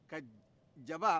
ka jaba